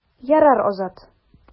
Ярар, Азат.